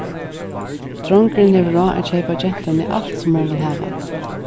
drongurin hevur ráð at keypa gentuni alt sum hon vil hava